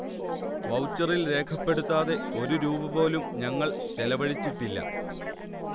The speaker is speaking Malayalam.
വൗച്ചറിൽ രേഖപ്പെടുത്താതെ ഒരു രൂപ പോലും ഞങ്ങൾ ചെലവഴിച്ചിട്ടില്ല